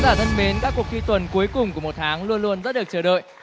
mến các cuộc thi tuần cuối cùng của một tháng luôn luôn rất được chờ đợi